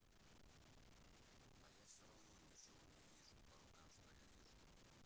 а я все равно ничего не вижу по рукам что я не вижу